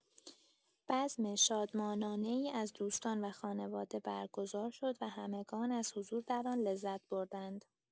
بزم شادمانانه‌ای از دوستان و خانواده برگزار شد و همگان از حضور در آن لذت بردند.